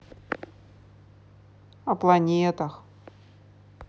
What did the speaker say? о планетах